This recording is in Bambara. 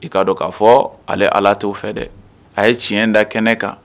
I k'a dɔn k'a fɔ ale Ala t'o fɛ dɛ, a ye tiɲɛ da kɛnɛ kan